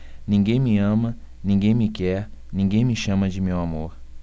ninguém me ama ninguém me quer ninguém me chama de meu amor